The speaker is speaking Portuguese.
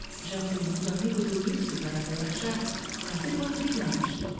já fui muito amigo do uísque para relaxar mas depois brigamos